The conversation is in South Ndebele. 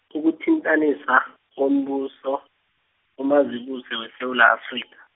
ukuthintanisa, kombuso, uMazibuse weSewula Afrika.